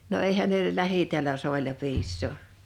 no eihän ne täällä soilla piisaa